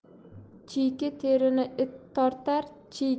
chiyki terini it tortar